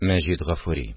Мәҗит Гафури